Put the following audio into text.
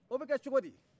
o bɛ kɛ cokodi